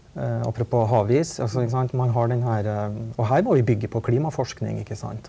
apropos havis altså ikke sant man har den herre og her må vi bygge på klimaforskning ikke sant.